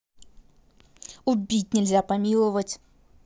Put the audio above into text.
убить нельзя помиловать